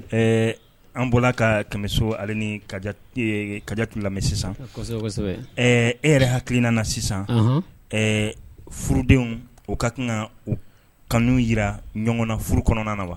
Ɛɛ an bɔra ka kaso ale ni ka kaditi lamɛn sisan e yɛrɛ hakilikinan na sisan furudenw o ka kan kanu jira ɲɔgɔnɔnna furu kɔnɔna na wa